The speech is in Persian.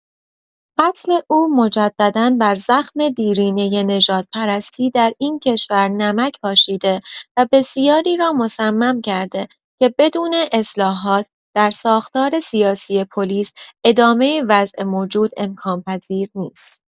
قتل او مجددا بر زخم دیرینه نژادپرستی در این کشور نمک پاشیده و بسیاری را مصمم کرده که بدون اصلاحات در ساختار سیاسی پلیس، ادامه وضع موجود امکان‌پذیر نیست.